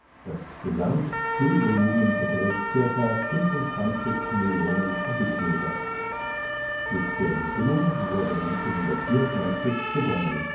Das Gesamtfüllvolumen beträgt zirka 25 Millionen Kubikmeter. Mit der Befüllung wurde 1994 begonnen